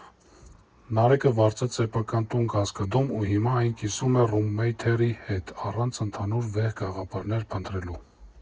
Նարեկը վարձեց սեփական տուն Կասկադում ու հիմա այն կիսում է ռումմեյթերի հետ՝ առանց ընդհանուր վեհ գաղափարներ փնտրելու։